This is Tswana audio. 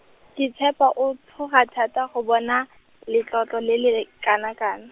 ke tshepa o tshoga thata go bona, letlotlo le le le, kanakana.